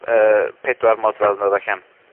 yy pedwar modfedd yn ddod allan.